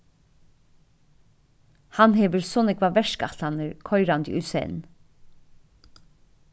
hann hevur so nógvar verkætlanir koyrandi í senn